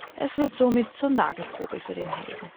Es wird somit zur Nagelprobe für den Helden